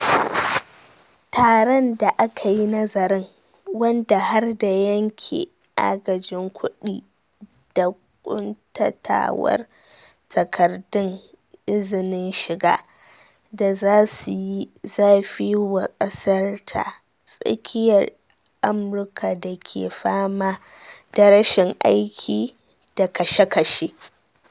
Taran da aka yi nazarin, wanda har da yanke agajin kuɗi da kuntatawar takardun izinin shiga, da za su yi zafi wa Kasar ta Tsakiyar Amurka da ke fama da rashin aiki da kashe-kashe.